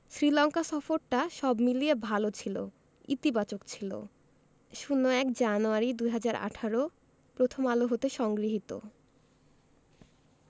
শ্রীলঙ্কা সফরটা সব মিলিয়ে ভালো ছিল ইতিবাচক ছিল ০১ জানুয়ারি ২০১৮ প্রথম আলো হতে সংগৃহীত